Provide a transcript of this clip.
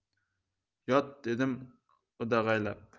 yot dedim o'dag'aylab